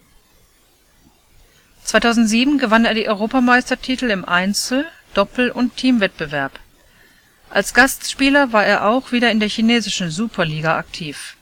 2007 gewann er die Europameistertitel im Einzel, Doppel und Teamwettbewerb. Als Gastspieler war er auch wieder in der Chinesischen Superliga aktiv